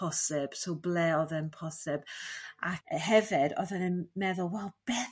posib so ble oedd e'n posib a hefyd o'dden yn meddwl wel beth